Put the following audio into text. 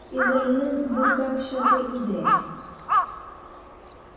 Изаилнең буйдак чагы иде әле.